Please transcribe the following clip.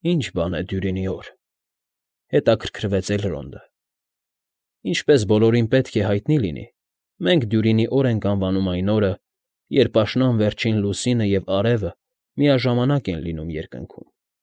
Ի՞նչ բան է Դյուրինի օր,֊ հետաքրքրվեց Էլրոնդը։ ֊ Ինչպես բոլորին պետք է հայտնի լինի, մենք Դյուրինի օր ենք անվանում այն օրը, երբ աշնան վերջին լուսինը և արևը միաժամանակ են լինում երկնքում։